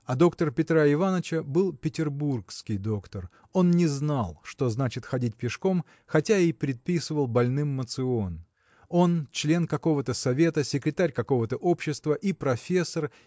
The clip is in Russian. А доктор Петра Иваныча был петербургский доктор. Он не знал что значит ходить пешком хотя и предписывал больным моцион. Он член какого-то совета секретарь какого-то общества и профессор